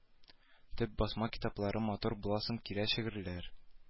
Төп басма китаплары матур буласым килә шигырьләр